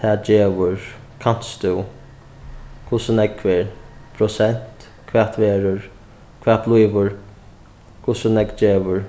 tað gevur kanst tú hvussu nógv er prosent hvat verður hvat blívur hvussu nógv gevur